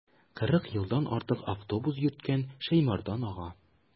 Кырык елдан артык автобус йөрткән Шәймәрдан ага.